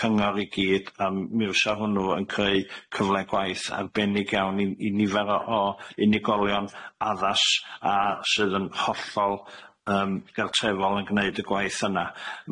cyngor i gyd, yym mi fysa hwnnw yn creu cyfle gwaith arbennig iawn i i nifer o o unigolion addas a sydd yn hollol yym gartrefol yn gneud y gwaith yna.